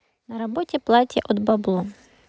на работе платья от бабло